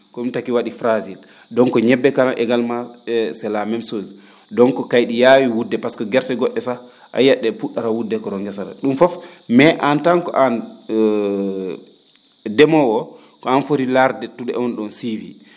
ko ?um taki wa?i fragile donc ñebbe kala également c' la méme chose donc kay ?i yaawi wu?de par ce que gerte go??e sah a yiyat ?e pu??ara wu?de ko ro ngesa ro ?um fof mais en tant que aan ndemoowo oo ko aan fori laarde ?ettude on suivi